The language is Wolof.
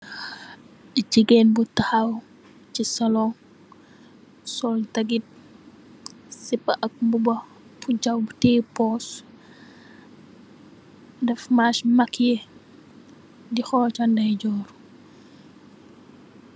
Jigeen bu takhaw si salon ,sol dagit sipa ,ak mbuba bu jaw mu tae poss ,def mass makiyeh ,di khol sa ndayejorr .